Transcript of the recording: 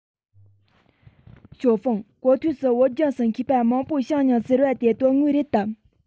ཞའོ ཧྥུང གོ ཐོས སུ བོད ལྗོངས སུ མཁས པ མང པོ བྱུང མྱོང ཟེར བ དེ དོན དངོས རེད དམ